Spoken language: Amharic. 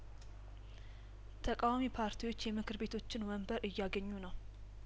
ተቃዋሚ ፓርቲዎች የምክር ቤቶችን ወንበር እያገኙ ነው